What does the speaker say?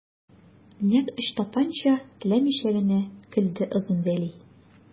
Нәкъ Ычтапанча теләмичә генә көлде Озын Вәли.